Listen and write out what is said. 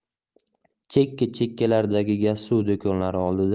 chekka chekkalardagi gazsuv do'konlari